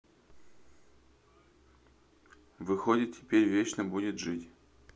выходит теперь вечно будет жить